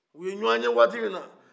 u ye ɲɔgɔn ye waati mina